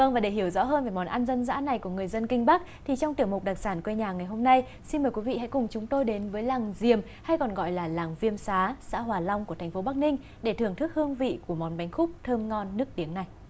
vâng và để hiểu rõ hơn về món ăn dân dã này của người dân kinh bắc thì trong tiểu mục đặc sản quê nhà ngày hôm nay xin mời quý vị hãy cùng chúng tôi đến với làng diềm hay còn gọi là làng viêm xá xã hòa long của thành phố bắc ninh để thưởng thức hương vị của món bánh khúc thơm ngon nức tiếng này